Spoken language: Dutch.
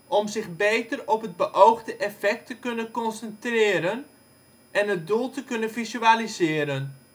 om zich beter op het beoogde effect te kunnen concentreren en het doel te kunnen visualiseren